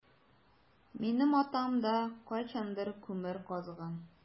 Минем атам да кайчандыр күмер казыган.